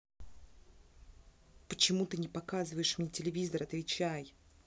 почему ты не показываешь мне телевизор отвечай